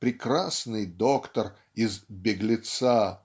прекрасный доктор из "Беглеца"